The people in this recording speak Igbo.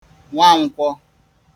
nwankwọ